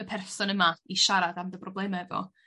y person yma i siarad am dy broblem efo.